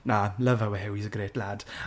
Na, love our Huw, he's a great lad.